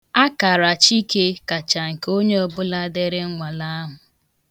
Akara Chike kacha nke onye ọbụla dere nnwale ahụ.